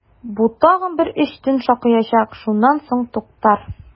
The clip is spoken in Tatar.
Бу тагын бер өч төн шакыячак, шуннан соң туктар!